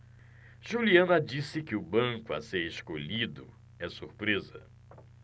juliana disse que o banco a ser escolhido é surpresa